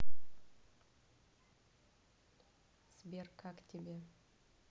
сбер как тебе